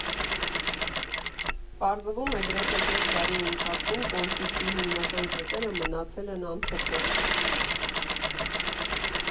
Պարզվում է, գրեթե կես դարի ընթացքում կոնֆլիկտի հիմնական կետերը մնացել են անփոփոխ։